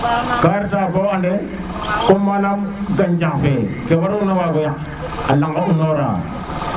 ka reta bo ande comme:fre manaam gancax fe ke warona wago yaq a laŋo unora